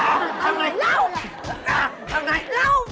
a thằng này láo a thằng này láo